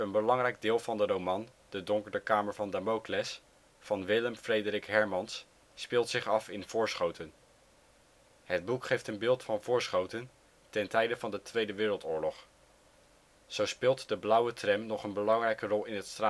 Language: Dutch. belangrijk deel van de roman De donkere kamer van Damokles van Willem Frederik Hermans speelt zich af in Voorschoten. Het boek geeft een beeld van Voorschoten ten tijde van de Tweede Wereldoorlog. Zo speelt de Blauwe Tram nog een belangrijke rol in het